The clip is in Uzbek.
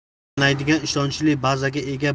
ta'minlaydigan ishonchli bazaga